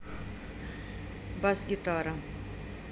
бас гитара